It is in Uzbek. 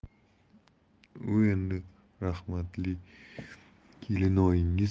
u endi rahmatli kelinoyingiz vafotidan bir oydan